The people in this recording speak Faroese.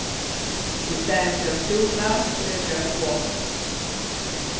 ístaðin fyri at stúra fyri at gerast gomul